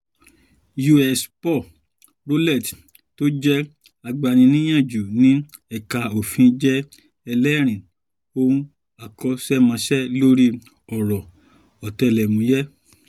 U.S. Paul Rowlett, tó jẹ́ agbaniníyànju ní ẹ̀ka Òfin, jẹ́ ẹlẹ́rìí òun akọṣẹ́mọṣẹ́ lórí ọ̀rọ̀ ọ̀tẹlẹ̀múyé.